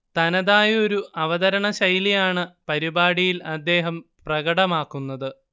തനതായൊരു അവതരണ ശൈലിയാണ് പരിപാടിയിൽ അദ്ദേഹം പ്രകടമാക്കുന്നത്